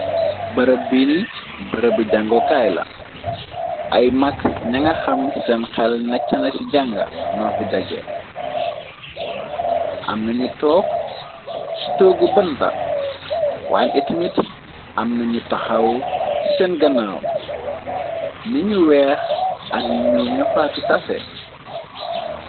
Barëb bini bërabbi jàngokaay la, ay mag ñanga xam sehn xel naccana ci jànga njur fi dajeh, amnañu tok ci toggu bënta wayne it mit am nañu taxaw ci sehn ganaaw nitt ñu weex ak ñu ñuul ñoppaa fi taseh.